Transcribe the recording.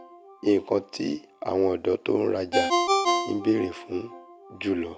- nǹkan ti àwọn ọ̀dọ́ tó ńrajà ńbèèré fún jùlọ.